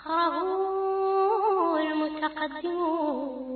San mɔinɛgɛnin yo